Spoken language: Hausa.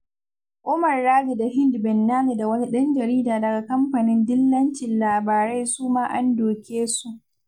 Omar Radi da Hind Bennani da wani ɗan jarida daga kamfanin dillacin labarai su ma an doke su.